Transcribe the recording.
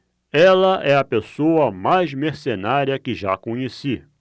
ela é a pessoa mais mercenária que já conheci